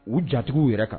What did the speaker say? U jatigiw yɛrɛ kan